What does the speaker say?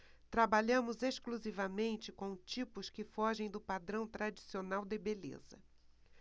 trabalhamos exclusivamente com tipos que fogem do padrão tradicional de beleza